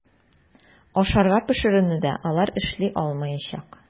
Ашарга пешерүне дә алар эшли алмаячак.